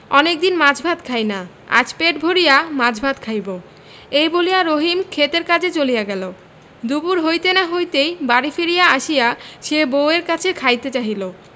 অনেকদিন মাছ ভাত খাই না আজ পেট ভরিয়া মাছ ভাত খাইব এই বলিয়া রহিম ক্ষেতের কাজে চলিয়া গেল দুপুর হইতে না হইতেই বাড়ি ফিরিয়া আসিয়া সে বউ এর কাছে খাইতে চাহিল